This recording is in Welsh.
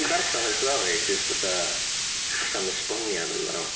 Dwi 'di darllen y stori, jyst fatha... Does na'm esboniad yna.